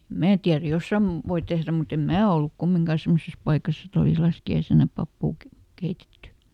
minä tiedä - voi tehdä mutta en minä ollut kumminkaan semmoisessa paikassa että olisi laskiaisena papua - keitetty